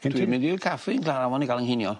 Gen ti? Dwi'n mynd i'r caffi'n i ga'l 'yn nghinio.